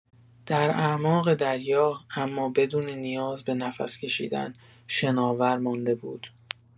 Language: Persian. در اعماق دریا، اما بدون نیاز به نفس‌کشیدن، شناور مانده بود.